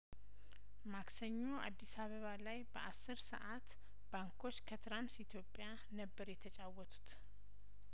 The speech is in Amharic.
ማክሰኞ አዲስ አበባ ላይ በአስር ሰአት ባንኮች ከትራንስ ኢትዮጵያ ነበር የተጫወቱት